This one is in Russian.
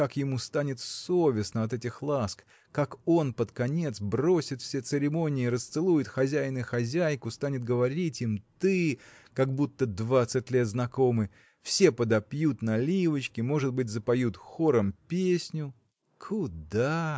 как ему станет совестно от этих ласк как он под конец бросит все церемонии расцелует хозяина и хозяйку станет говорить им ты как будто двадцать лет знакомы все подопьют наливочки может быть запоют хором песню. Куда!